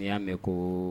I y'a mɛn ko